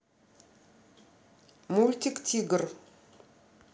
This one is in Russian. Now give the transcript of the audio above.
мультик тигр